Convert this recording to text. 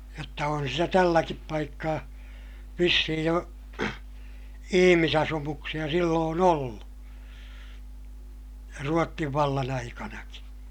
jotta on sitä tälläkin paikkaa vissiin jo ihmisasumuksia silloin ollut Ruotsin vallan aikanakin